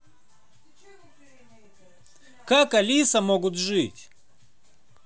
как алиса могут жить